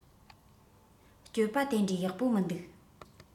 སྤྱོད པ དེ འདྲའི ཡག པོ མི འདུག